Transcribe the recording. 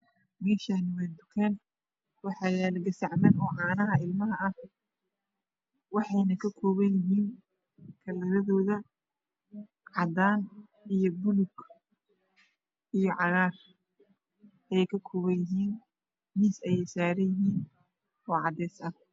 Meeshaani waa tukaan waxaana yaal gasacman oo caano ilmaha ah waxayna ka kooban yahay kalaradooda cadaan iyo bulug iyo cagaar ayey ka kooban yihiin. miis ayey saaran yihiin oo cadeys ah.